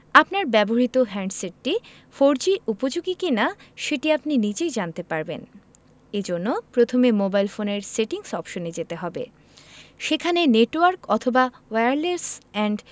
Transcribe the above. আপনার ব্যবহৃত হ্যান্ডসেটটি ফোরজি উপযোগী কিনা সেটি আপনি নিজেই জানতে পারবেন এ জন্য প্রথমে মোবাইল ফোনের সেটিংস অপশনে যেতে হবে সেখানে নেটওয়ার্ক অথবা ওয়্যারলেস অ্যান্ড